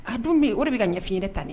Ka dun bɛ o de bɛ ka ɲɛfin ye de ta ye